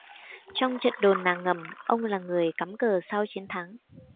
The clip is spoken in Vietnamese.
trong trận đồn nà ngần ông là người cắm cờ sau chiến thắng